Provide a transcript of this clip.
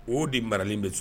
O de maralen bɛ